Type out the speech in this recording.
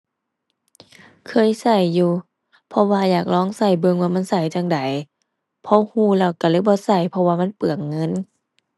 เคยใช้อยู่ เพราะว่าอยากลองใช้เบิ่งว่ามันใช้จั่งใด พอใช้แล้วใช้เลยบ่ใช้ เพราะว่ามันเปลืองเงิน